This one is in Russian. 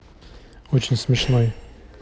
очень смешной